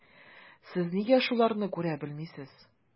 Сез нигә шуларны күрә белмисез?